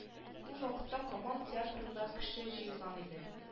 Ул вакытта камал театрына кеше җыелган иде